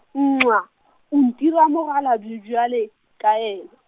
nxa, o ntira mokgalabje bjale, ka yen-.